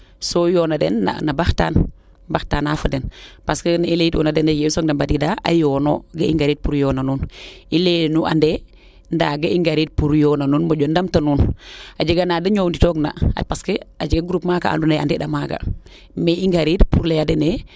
soo yoona den na baxtaan mbaxtaana fa den parce que nee i leyit uuna yee i soog na mbadiida a yoono ga i ngariid pour yoona nuun i leya nu ande ndaa ga i ngariid pour yoona nuun moƴo ndamta nuun a jega naa de ñoowni toog na parce que a jega groupement kaa ando naye a nde a maaga mais i ngariid pour leya dene